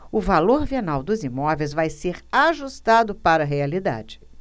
o valor venal dos imóveis vai ser ajustado para a realidade